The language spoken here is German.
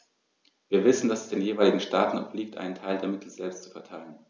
Wir wissen, dass es den jeweiligen Staaten obliegt, einen Teil der Mittel selbst zu verteilen.